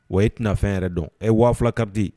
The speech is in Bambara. Wa e tɛnafɛn yɛrɛ dɔn e waafula kadi